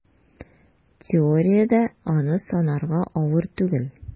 Теориядә аны санарга авыр түгел: